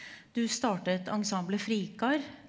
du startet ensemblet FRIKAR.